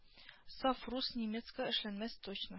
Саф рус немецка эшләнмәс точно